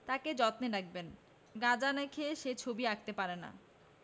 তাকে যত্নে রাখবেন গাজা না খেয়ে সে ছবি আঁকতে পারে না